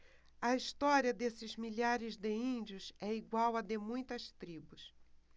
a história desses milhares de índios é igual à de muitas tribos